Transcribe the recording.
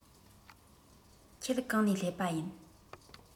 ཁྱེད གང ནས སླེབས པ ཡིན